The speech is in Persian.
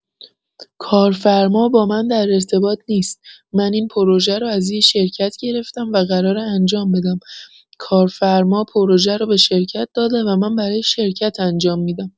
کارفرما با من در ارتباط نیست من این پروژه رو از یه شرکت گرفتم و قراره انجام بدم کافرما پروژه رو به شرکت داده و من برای شرکت انجام می‌دم.